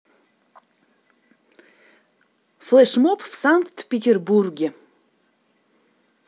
флэшмоб в санкт петербурге